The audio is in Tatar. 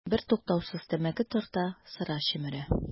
Бертуктаусыз тәмәке тарта, сыра чөмерә.